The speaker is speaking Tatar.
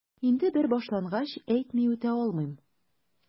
Инде бер башлангач, әйтми үтә алмыйм...